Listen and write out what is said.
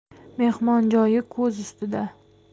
mehmon joyi ko'z ustida